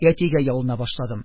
Әтигә ялына башладым: